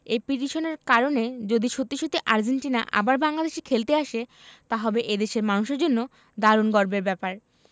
এই পিটিশনের কারণে যদি সত্যি সত্যিই আর্জেন্টিনা আবার বাংলাদেশে খেলতে আসে তা হবে এ দেশের মানুষের জন্য দারুণ গর্বের ব্যাপার